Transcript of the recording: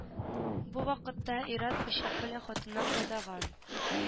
Бу вакытта ир-ат пычак белән хатынына кадаган